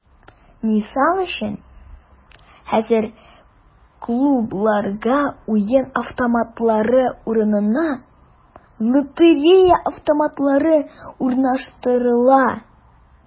Мисал өчен, хәзер клубларга уен автоматлары урынына “лотерея автоматлары” урнаштырыла.